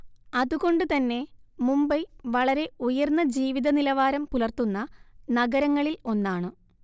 അതുകൊണ്ടു തന്നെ മുംബൈ വളരെ ഉയര്‍ന്ന ജീവിത നിലവാരം പുലര്‍ത്തുന്ന നഗരങ്ങളില്‍ ഒന്നാണ്‌